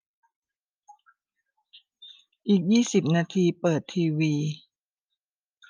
อีกยี่สิบนาทีเปิดทีวี